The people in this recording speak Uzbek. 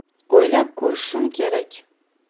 o'ylab ko'rishim kerak